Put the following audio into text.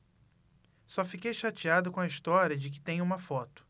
só fiquei chateada com a história de que tem uma foto